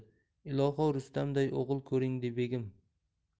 qildi iloho rustamday o'g'il ko'ring begim